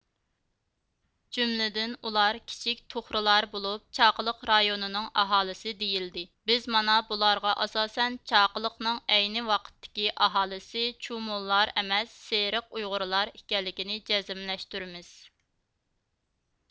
جۈملىدىن ئۇلار كىچىك تۇخرىلار بولۇپ چاقىلىق رايونىنىڭ ئاھالىسى دېيىلدى بىز مانا بۇلارغا ئاساسەن چاقىلىقنىڭ ئەينى ۋاقىتتىكى ئاھالىسى چۇمۇللار ئەمەس سېرىق ئۇيغۇرلار ئىكەنلىكىنى جەزملەشتۈرىمىز